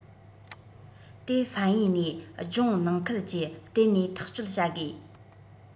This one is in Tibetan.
དེ ཧྥན ཡུས ནས ལྗོངས ནང ཁུལ གྱི བརྟེན ནས ཐག གཅོད བྱ དགོས